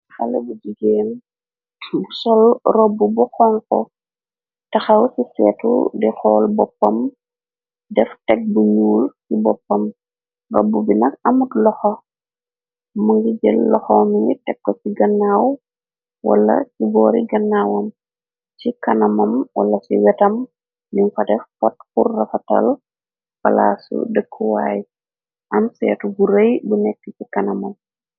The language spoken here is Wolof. Xale bu jigeen bu sol robbu bu xonxu, taxaw ci seetu di xool boppam, def tek bu ñuul ci boppam, robbu bi nak amut loxo më ngi jël loxo yi tekko ci gannaaw wala ci boori gannaawam, ci kanamam wala ci wetam ñun fa def pot pur rafatal palaasu dëkkuwaay, am seetu bu rëy bu nekk ci kanamam.